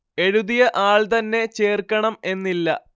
എഴുതിയ ആൾ തന്നെ ചേർക്കണം എന്നില്ല